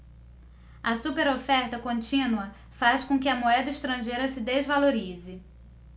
a superoferta contínua faz com que a moeda estrangeira se desvalorize